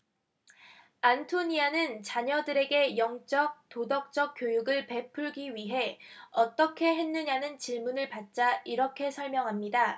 안토니아는 자녀들에게 영적 도덕적 교육을 베풀기 위해 어떻게 했느냐는 질문을 받자 이렇게 설명합니다